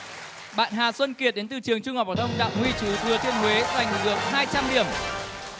bạn hà xuân kiệt đến từ trường trung học phổ thông đặng huy trú thừa thiên huế giành được hai trăm điểm